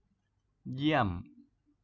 เยี่ยม